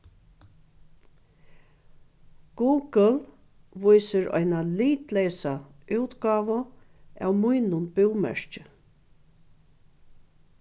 google vísir eina litleysa útgávu av mínum búmerki